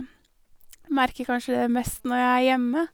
Merker kanskje det mest når jeg er hjemme.